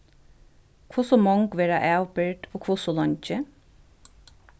hvussu mong verða avbyrgd og hvussu leingi